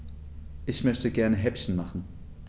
Ich möchte gerne Häppchen machen.